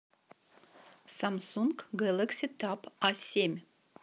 samsung galaxy tab a семь